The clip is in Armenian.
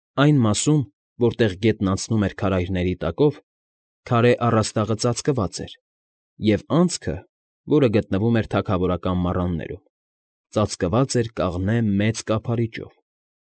Այն մասում, որտեղ գետն անցնում էր քարայրների տակով, քարե առաստաղը ծակված էր և անցքը, որը գտնվում էր թագավորական մառաններում, ծածկված էր կաղնե մեծ կափարիչով։